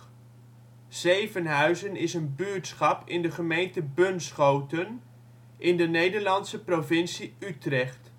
Zevenhuizen is een buurtschap in de gemeente Bunschoten, in de in de Nederlandse provincie Utrecht